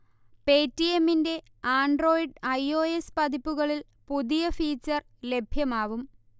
പേറ്റിയമ്മിന്റെ Android I. O. S. പതിപ്പുകളിൽ പുതിയ feature ലഭ്യമാവും